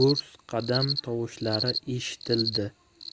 gurs qadam tovushlari eshitildi